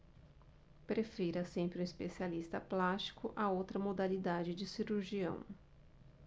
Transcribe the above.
prefira sempre um especialista plástico a outra modalidade de cirurgião